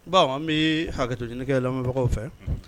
Baw an bɛ hakɛj an bɛbagaw fɛ